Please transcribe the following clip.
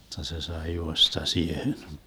jotta se sai juosta siihen